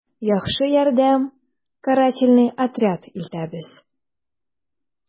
«яхшы ярдәм, карательный отряд илтәбез...»